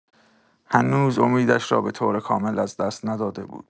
هنوز امیدش را به‌طور کامل از دست نداده بود.